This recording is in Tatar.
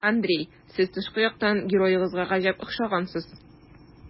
Андрей, сез тышкы яктан героегызга гаҗәп охшагансыз.